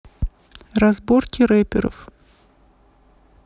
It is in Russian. разборки рэперов